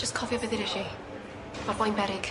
Jyst cofio be' ddedesh i. Ma'r boi'n beryg.